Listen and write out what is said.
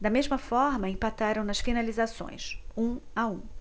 da mesma forma empataram nas finalizações um a um